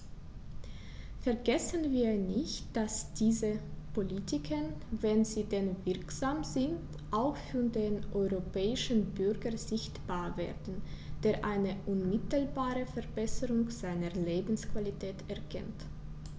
Vergessen wir nicht, dass diese Politiken, wenn sie denn wirksam sind, auch für den europäischen Bürger sichtbar werden, der eine unmittelbare Verbesserung seiner Lebensqualität erkennt!